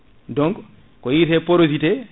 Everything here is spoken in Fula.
donc ko wiyate porosité